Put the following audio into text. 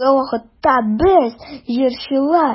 Соңгы вакытта без, җырчылар,